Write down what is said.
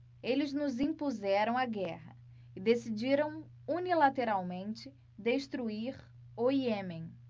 eles nos impuseram a guerra e decidiram unilateralmente destruir o iêmen